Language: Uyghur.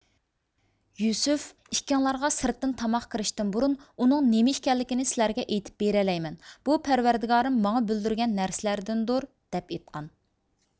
يۈسۈف ئىككىڭلارغا سىرتتىن تاماق كىرىشتىن بۇرۇن ئۇنىڭ نېمە ئىكەنلىكىنى سىلەرگە ئېيتىپ بېرەلەيمەن بۇ پەرۋەردىگارىم ماڭا بىلدۈرگەن نەرسىلەردىندۇر دەپ ئېيىتقان